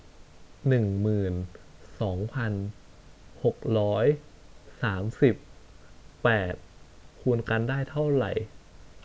หนึ่งหมื่นสองพันหกร้อยสามสิบแปดคูณกันได้เท่าไหร่